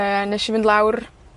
Yy, nesh i fynd lawr